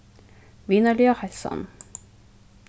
vinarliga heilsan